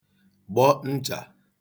gbọ nchà